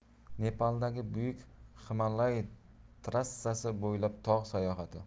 nepaldagi buyuk himalay trassasi bo'ylab tog' sayohati